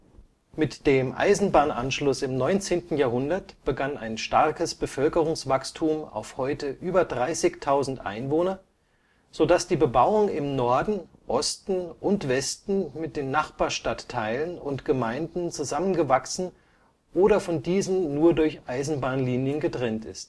Mit dem Eisenbahnanschluss im 19. Jahrhundert begann ein starkes Bevölkerungswachstum auf heute über 30.000 Einwohner, so dass die Bebauung im Norden, Osten und Westen mit den Nachbarstadtteilen und - gemeinden zusammengewachsen oder von diesen nur durch Eisenbahnlinien getrennt